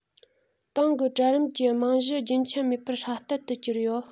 ཏང གི གྲལ རིམ གྱི རྨང གཞི རྒྱུན ཆད མེད པར སྲ བརྟན དུ གྱུར ཡོད